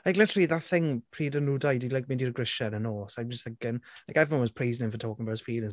Like, literally, that thing pryd oedd nhw dau 'di mynd i'r grisiau yn y nos, I'm just thinking like, everyone was praising him for talking about his feelings.